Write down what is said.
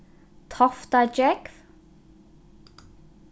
toftagjógv